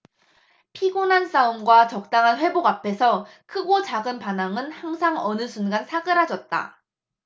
피곤한 싸움과 적당한 회복 앞에서 크고 작은 반항은 항상 어느 순간 사그라졌다